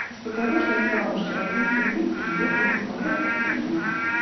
Из подорожной знал он, что ротмистр Минский ехал из Смоленска в Петербург.